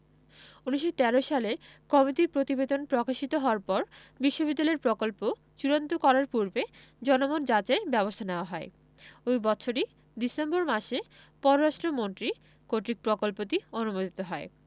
১৯১৩ সালে কমিটির প্রতিবেদন প্রকাশিত হওয়ার পর বিশ্ববিদ্যালয়ের প্রকল্প চূড়ান্ত করার পূর্বে জনমত যাচাইয়ের ব্যবস্থা নেওয়া হয় ঐ বৎসরই ডিসেম্বর মাসে পররাষ্ট্র মন্ত্রী কর্তৃক প্রকল্পটি অনুমোদিত হয়